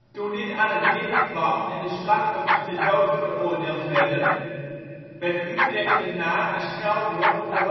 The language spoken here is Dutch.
Toen dit aan het licht kwam en de slachtoffers ter dood veroordeeld werden, werd Utrechtenaar een scheldwoord voor